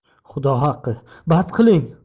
xudo haqqi bas qiling